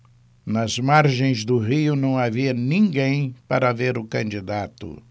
nas margens do rio não havia ninguém para ver o candidato